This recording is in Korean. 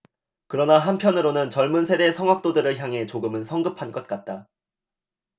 그러나 한편으로는 젊은 세대 성악도들을 향해 조금은 성급한 것 같다